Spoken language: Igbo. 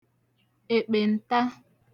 èkpènta